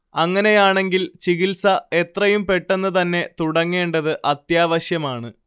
അങ്ങനെയാണെങ്കിൽ ചികിത്സ എത്രയും പെട്ടെന്നു തന്നെ തുടങ്ങേണ്ടത് അത്യാവശ്യമാണ്